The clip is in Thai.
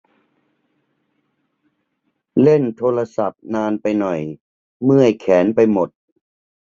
เล่นโทรศัพท์นานไปหน่อยเมื่อยแขนไปหมด